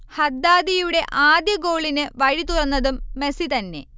ഹദ്ദാദിയുടെ ആദ്യ ഗോളിന് വഴി തുറന്നതും മെസ്സി തന്നെ